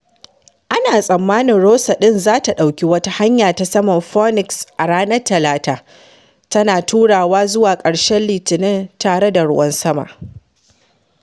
Ana tsammanin Rosa ɗin za ta ɗauki wata hanya ta saman Phoenix a ranar Talata, tana turawa zuwa ƙarshen Litinin tare da ruwan sama.